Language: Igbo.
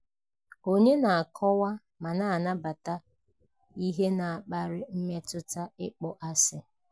Ònyé na-akọwa ma na-anabata ihe na-akpali mmetụta ịkpọasị?